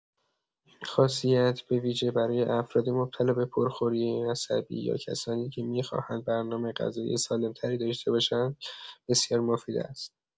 این خاصیت به‌ویژه برای افراد مبتلا به پرخوری عصبی یا کسانی که می‌خواهند برنامه غذایی سالم‌تری داشته باشند، بسیار مفید است.